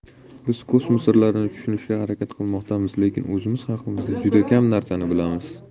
biz kosmos sirlarini tushunishga harakat qilmoqdamiz lekin o'zimiz haqimizda juda kam narsani bilamiz